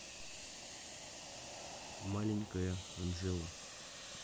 маленькая анжела